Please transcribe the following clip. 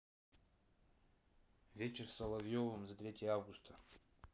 вечер с соловьевым за третье августа